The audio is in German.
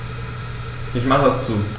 Ich mache es zu.